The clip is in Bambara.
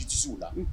K'i tɛ o la